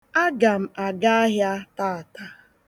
Aga m aga ahịa taata.